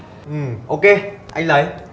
ừ ô kê anh lấy